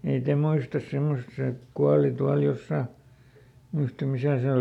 ei te muista semmoista se kuoli tuolla jossakin muista missä se oli